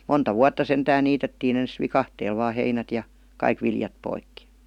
monta vuotta sentään niitettiin ensin viikatteella vain heinät ja kaikki viljat poikki